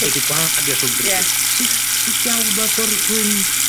...gweud y gwahaniath rhwngdynn nw... Ie. ...sut sud diawl ma por- rywun